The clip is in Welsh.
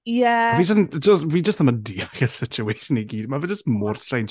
Ie... Fi jyst yn, fi jyst, fi jyst ddim yn deall y situation i gyd. Mae fe jyst mor strange.